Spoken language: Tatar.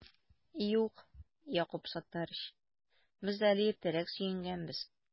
Юк, Якуб Саттарич, без әле иртәрәк сөенгәнбез